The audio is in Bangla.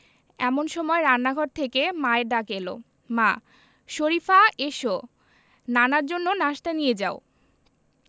এমন সময় রান্নাঘর থেকে মায়ের ডাক এলো মা শরিফা এসো নানার জন্য নাশতা নিয়ে যাও